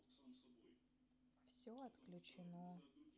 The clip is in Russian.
все отключено